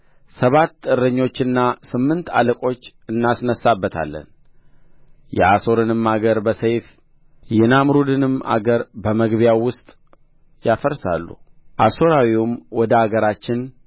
ሰባት እረኞችና ስምንት አለቆች እናስነሣበታለን የአሦርንም አገር በሰይፍ የናምሩድንም አገር በመግቢያው ውስጥ ያፈርሳሉ አሦራዊውም ወደ አገራችን